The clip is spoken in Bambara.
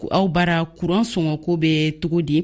aw bara kuran sɔngɔko bɛ cogo di